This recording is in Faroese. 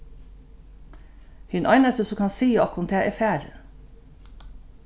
hin einasti sum kann siga okkum tað er farin